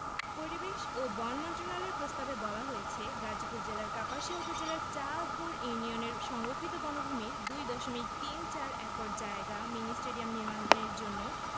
পরিবেশ ও বন মন্ত্রণালয়ের প্রস্তাবে বলা হয়েছে গাজীপুর জেলার কাপাসিয়া উপজেলার চাঁদপুর ইউনিয়নের সংরক্ষিত বনভূমির ২ দশমিক তিন চার একর জায়গা মিনি স্টেডিয়াম নির্মাণের জন্য